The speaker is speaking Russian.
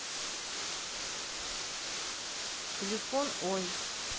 телефон ой